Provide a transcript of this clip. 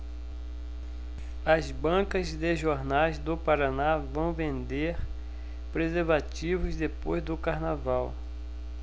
as bancas de jornais do paraná vão vender preservativos depois do carnaval